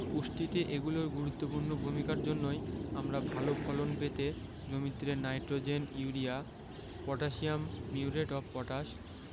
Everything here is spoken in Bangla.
পুষ্টিতে এগুলোর গুরুত্বপূর্ণ ভূমিকার জন্যই আমরা ভালো ফলন পেতে জমিতে nitrogen urea potassium muriate of potash